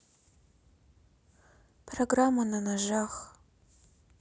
программа на ножах